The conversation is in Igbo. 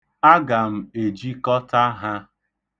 Aga m ejikọ(ta) ha.